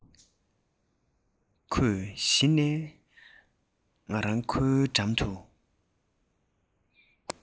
ཁོས གཞི ནས ང རང ཁོའི འགྲམ དུ